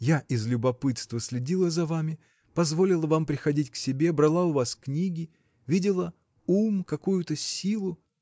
Я из любопытства следила за вами, позволила вам приходить к себе, брала у вас книги, — видела ум, какую-то силу.